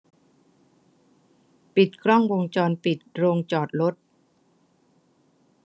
ปิดกล้องวงจรปิดโรงจอดรถ